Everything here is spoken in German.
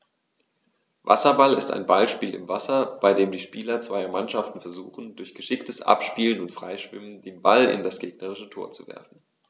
Wasserball ist ein Ballspiel im Wasser, bei dem die Spieler zweier Mannschaften versuchen, durch geschicktes Abspielen und Freischwimmen den Ball in das gegnerische Tor zu werfen.